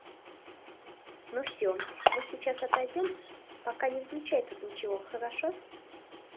ну все мы сейчас отойдем пока не выключай тут ничего хорошо